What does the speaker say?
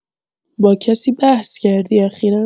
با کسی بحث کردی اخیرا؟